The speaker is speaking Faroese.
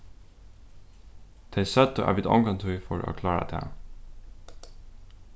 tey søgdu at vit ongantíð fóru at klára tað